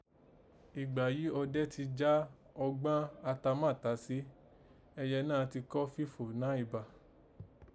Ìgbà yìí òde ti jà ọgbán atamátàsé, ẹyẹ náà tí kọ́ fífò nàì bà